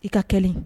I ka kelen